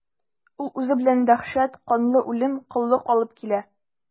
Ул үзе белән дәһшәт, канлы үлем, коллык алып килә.